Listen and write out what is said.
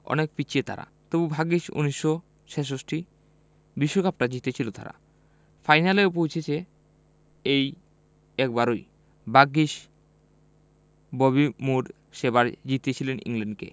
অনেক পিছিয়ে তারা তবু ভাগ্যিস ১৯৬৬ বিশ্বকাপটা জিতেছিল তারা ফাইনালেও পৌঁছেছে সেই একবারই ভাগ্যিস ববি মুর সেবার জিতিয়েছিলেন ইংল্যান্ডকে